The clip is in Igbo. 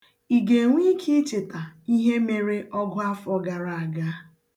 Ị ga-enweike icheta ihe mere ọgụ afọ gara aga?